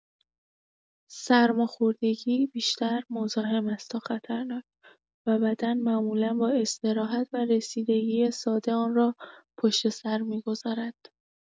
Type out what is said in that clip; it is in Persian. سرماخوردگی بیشتر مزاحم است تا خطرناک و بدن معمولا با استراحت و رسیدگی ساده آن را پشت‌سر می‌گذارد.